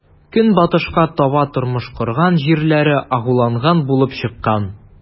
Көнбатышка таба тормыш корган җирләре агуланган булып чыккан.